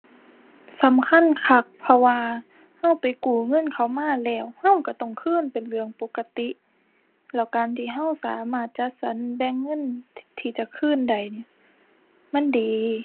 สำคัญคักเพราะว่า เราไปกู้เงินเขามาแล้วเราเราต้องคืนเป็นเรื่องปกติ แล้วการที่เราสามารถจัดสรรแบ่งเงินที่จะคืนได้เนี่ย มันดี